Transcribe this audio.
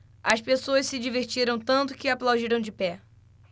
as pessoas se divertiram tanto que aplaudiram de pé